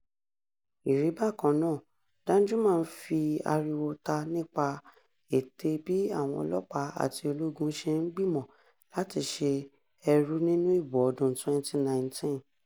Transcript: Ìrí-bá-kan-náà, Danjuma fi ariwo ta nípa ète bí àwọn “ọlọ́pàá àti ológun” ṣe ń gbìmọ̀pọ̀ láti ṣe ẹ̀rú nínú ìbò ọdún 2019.